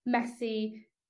...methu